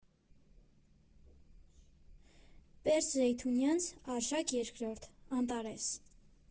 Պերճ Զեյթունցյան «Արշակ Երկրորդ», Անտարես։